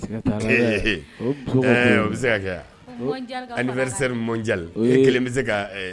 ee, o ye musow ka ko ye, o bɛ se ka kɛ anniversaire mondiale, mondiale fara a kan dɛ, e kelen bɛ se ka ɛɛ